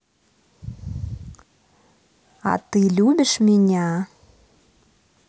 а ты любишь меня